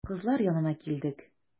Кызлар янына килдек.